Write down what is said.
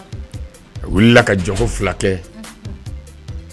A wulila ka jɔngo fila kɛ